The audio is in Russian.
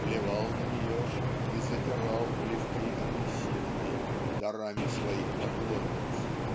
плевал на нее и затирал плевки апельсинами дарами своих поклонниц".